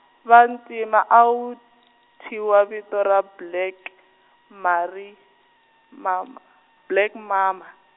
vantima a wu thyiwa vito ra Black mari mama, Black mama.